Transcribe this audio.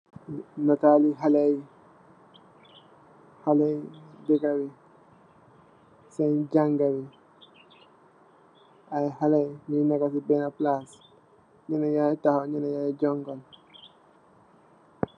Netali xale xale deka bi sen jangale ay xale yu neka si bena palac nyenen yagi taxaw yenen yagi junkon.